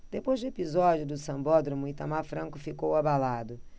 depois do episódio do sambódromo itamar franco ficou abalado